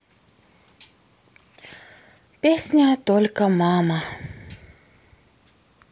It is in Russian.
песня только мама